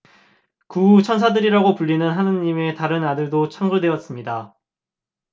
그 후 천사들이라고 불리는 하느님의 다른 아들들도 창조되었습니다